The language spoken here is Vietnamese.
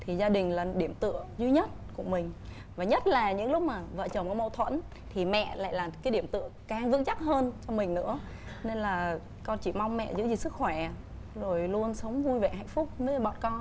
thì gia đình là điểm tựa duy nhất của mình và nhất là những lúc mà vợ chồng có mâu thuẫn thì mẹ lại là cái điểm tựa càng vững chắc hơn cho mình nữa nên là con chỉ mong mẹ giữ gìn sức khỏe rồi luôn sống vui vẻ hạnh phúc với bọn con